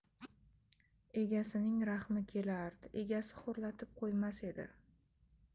egasining rahmi kelardi egasi xo'rlatib qo'ymas edi